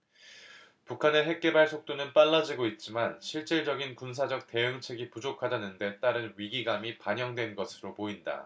북한의 핵개발 속도는 빨라지고 있지만 실질적인 군사적 대응책이 부족하다는 데 따른 위기감이 반영된 것으로 보인다